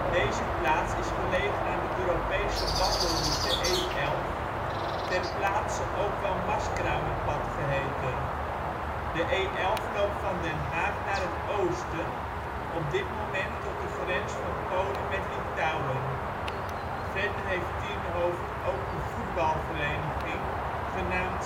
Deze plaats is gelegen aan de Europese wandelroute E11, ter plaatse ook wel Marskramerpad geheten. De E11 loopt van Den Haag naar het oosten, op dit moment tot de grens van Polen met Litouwen. Verder heeft Tienhoven ook een voetbalvereniging, genaamd